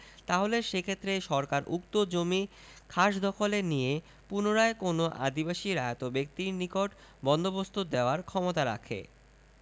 তাহলে সেক্ষেত্রে সরকার উক্ত জমি খাসদখলে নিয়ে পুনরায় কোনও আদিবাসী রায়ত ব্যক্তির নিকট বন্দোবস্ত দেয়ার ক্ষমতারাখে